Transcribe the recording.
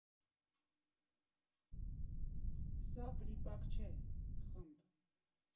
Սա վրիպակ չէ ֊ խմբ.